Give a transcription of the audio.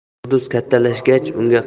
yulduz kattalashgach unga